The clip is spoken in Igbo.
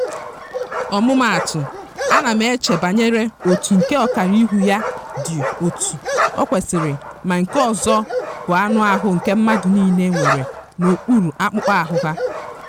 Ọmụmaatụ, ana m eche banyere otu nke ọkara ihu ya dị otú o kwesịrị ma nke ọzọ bụ anụahụ nke mmadụ niile nwere n'okpuru akpụkpọahụ ha.